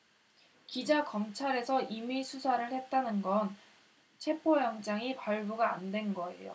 기자 검찰에서 임의수사를 했다는 건 체포영장이 발부가 안 된 거예요